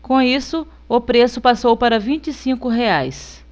com isso o preço passou para vinte e cinco reais